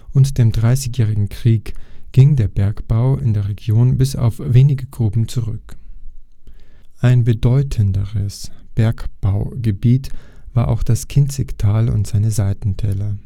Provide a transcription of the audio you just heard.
und dem Dreißigjährigen Krieg ging der Bergbau in der Region bis auf wenige Gruben zurück. Ein bedeutenderes Bergbaugebiet war auch das Kinzigtal und seine Seitentäler